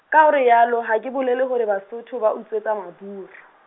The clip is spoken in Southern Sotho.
ka o re yalo ha ke bolele hore Basotho ba utswetsa Maburu.